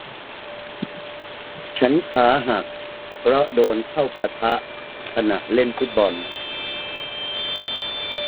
ฉันขาหักเพราะโดนเข้าปะทะขณะเล่นฟุตบอล